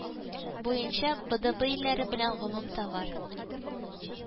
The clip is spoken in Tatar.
Буенча, бэдэбэ илләре белән гомум товар